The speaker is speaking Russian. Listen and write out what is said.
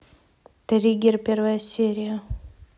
триггер первая серия